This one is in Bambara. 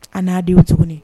A n'a denw tuguni